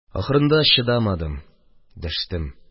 Ахырында чыдамадым, дәштем: